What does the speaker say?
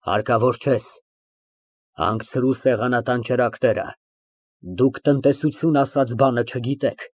Հարկավոր չես։ Հանգցրու սեղանատան ճրագները, դուք տնտեսություն ասած բանը չգիտեք։